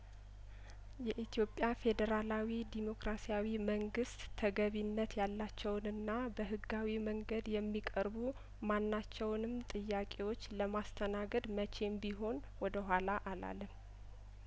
የኢትዮጵያ ፌዴራላዊ ዴሞክራሲያዊ መንግስት ተገቢነት ያላቸውንና በህጋዊ መንገድ የሚቀርቡ ማናቸውንም ጥያቄዎች ለማስተናገድ መቼም ቢሆን ወደ ኋላ አላለም